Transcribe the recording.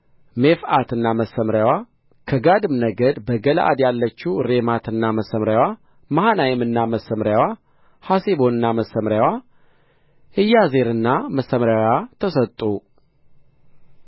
ሜፍዓትና መሰምርያዋ ከጋድም ነገድ በገለዓድ ያለችው ሬማትና መሰምርያዋ መሃናይምና መሰምርያዋ ሐሴቦንና መሰምርያዋ ኢያዜርና መሰምርያዋ ተሰጡ